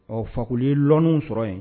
Ɔ fako ye ɔn sɔrɔ yen